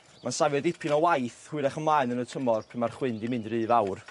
ma'n safio dipyn o waith hwyrach ymlaen yn y tymor pry' ma'r chwyn 'di mynd ry fawr.